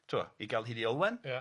t'wo' i ga'l hyd i Olwen. Ia.